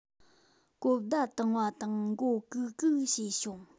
གོ བརྡ བཏང བ དང མགོ གུག གུག བྱས བྱུང